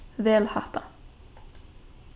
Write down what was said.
vel hatta